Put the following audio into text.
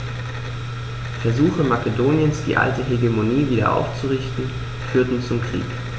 Versuche Makedoniens, die alte Hegemonie wieder aufzurichten, führten zum Krieg.